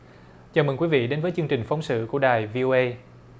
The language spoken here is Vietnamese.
chào mừng quý vị đến với chương trình phóng sự của đài vi ô ây